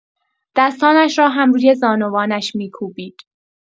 دستانش را هم روی زانوانش می‌کوبید